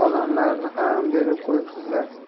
xolamlarni ham berib qo'yibsizlar